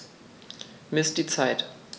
Miss die Zeit.